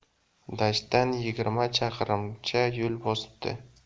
dashtdan yigirma chaqirimcha yo'l bosibdi